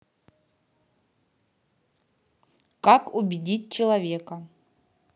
как убедить человека